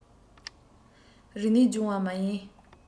རིག གནས སྦྱོང བ མ ཡིན